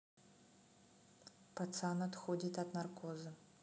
пацан отходит от наркоза